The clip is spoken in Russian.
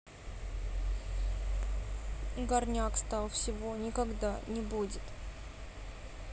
горняк стал всего никогда не будет